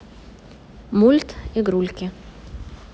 мульти игрульки